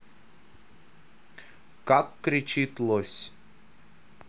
как кричит лось